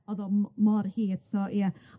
O'dd o m- mor hir, so ie.